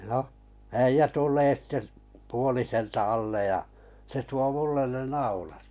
no äijä tulee sitten - puoliselta alle ja se tuo minulle ne naulat